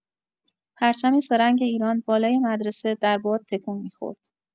پرچم سه‌رنگ ایران بالای مدرسه در باد تکون می‌خورد.